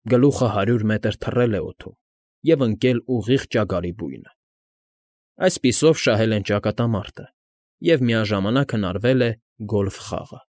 Գլուխը հարյուր մետր թռել է օդում և ընկել ուղիղ ճագարի բույնը. այսպիսով շահել են ճակատամարտը և միաժամանակ հնարվել է գոլֆ խաղը։